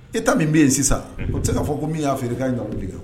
Etat min bɛ yen sisan o tɛ se k'a fɔ ko min y'a feere k'a ye kalon tigɛ wo.